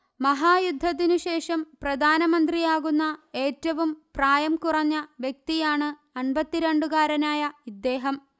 മഹായുദ്ധത്തിനു ശേഷം പ്രധാനമന്ത്രിയാകുന്ന ഏറ്റവും പ്രായം കുറഞ്ഞ വ്യക്തിയാണ് അന്പത്തിരണ്ടുകാരനായ ഇദ്ദേഹം